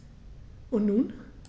Und nun?